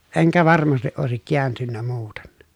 enkä varmasti olisi kääntynyt muuten